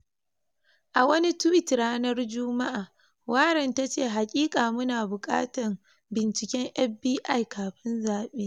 A wani tweet ranar Juma’a, Warren ta ce, “hakika mu na buƙatan bincinken FBI kafin zabe.”